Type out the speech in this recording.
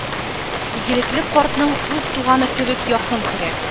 Игелекле картны үз туганы кебек якын күрә,